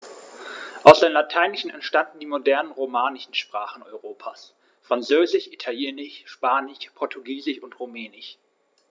Aus dem Lateinischen entstanden die modernen „romanischen“ Sprachen Europas: Französisch, Italienisch, Spanisch, Portugiesisch und Rumänisch.